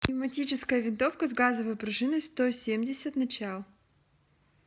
пневматическая винтовка с газовой пружиной сто семьдесят начал